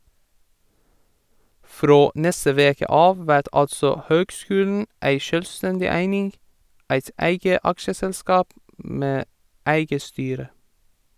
Frå neste veke av vert altså høgskulen ei sjølvstendig eining, eit eige aksjeselskap med eige styre.